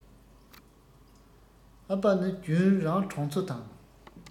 ཨ ཕ ནི རྒྱུན རང གྲོང ཚོ དང